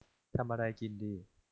ทำอะไรกินดี